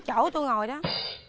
chỗ tôi ngồi đó